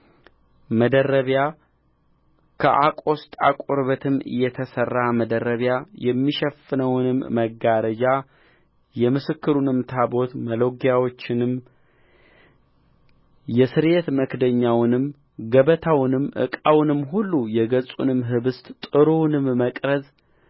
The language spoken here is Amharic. መደረቢያ ከአቆስጣ ቁርበትም የተሠራ መደረቢያ የሚሸፍነውንም መጋረጃ የምስክሩንም ታቦት መሎጊያዎቹንም የስርየት መክደኛውንም ገበታውንም ዕቃውንም ሁሉ የገጹንም ኅብስት ጥሩውንም መቅረዝ